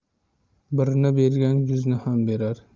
birni bergan yuzni ham berar